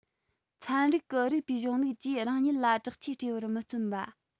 ཚན རིག གི རིགས པའི གཞུང ལུགས ཀྱིས རང ཉིད ལ དྲག ཆས སྤྲས པར མི བརྩོན པ